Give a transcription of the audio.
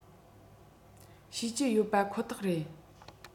ཤེས ཀྱི ཡོད པ ཁོ ཐག རེད